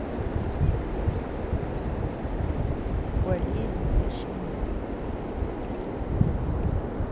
болезнь ешь меня